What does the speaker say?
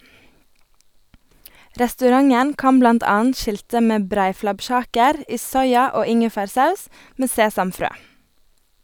Restauranten kan blant annet skilte med breiflabbkjaker i soya- og ingefærsaus med sesamfrø.